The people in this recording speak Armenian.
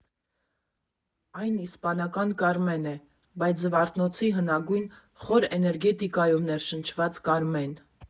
Այն իսպանական Կարմեն է, բայց Զվարթնոցի հնագույն, խոր էներգետիկայով ներշնչված Կարմեն։